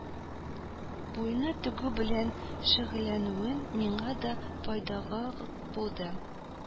Буена тегү белән шөгыльләнүе миңа да файдага булды